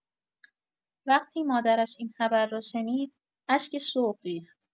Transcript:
وقتی مادرش این خبر را شنید، اشک شوق ریخت.